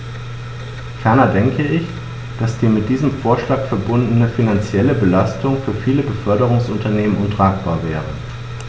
Ferner denke ich, dass die mit diesem Vorschlag verbundene finanzielle Belastung für viele Beförderungsunternehmen untragbar wäre.